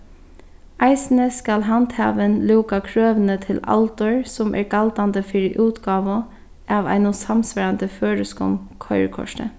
eisini skal handhavin lúka krøvini til aldur sum er galdandi fyri útgávu av einum samsvarandi føroyskum koyrikorti